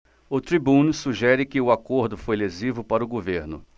o tribune sugere que o acordo foi lesivo para o governo